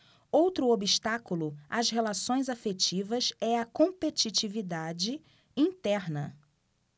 outro obstáculo às relações afetivas é a competitividade interna